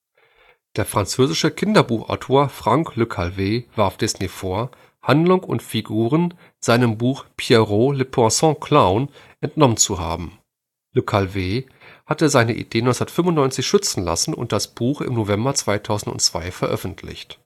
Der französische Kinderbuchautor Franck Le Calvez warf Disney vor, Handlung und Figuren seinem Buch Pierrot Le Poisson-Clown entnommen zu haben. Le Calvez hatte seine Idee 1995 schützen lassen und das Buch im November 2002 veröffentlicht